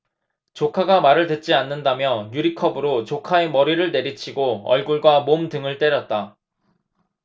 조카가 말을 듣지 않는다며 유리컵으로 조카의 머리를 내리치고 얼굴과 몸 등을 때렸다